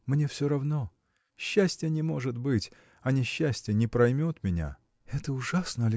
мне все равно: счастья не может быть, а несчастье не проймет меня. – Это ужасно!